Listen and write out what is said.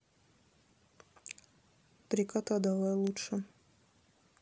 три кота давай лучше